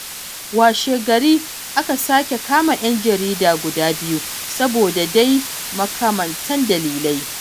Washe-gari aka sake kama 'yan jarida guda biyu saboda dai makamantan dalilai.